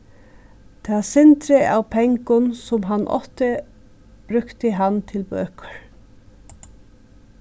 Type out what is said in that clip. tað sindrið av pengum sum hann átti brúkti hann til bøkur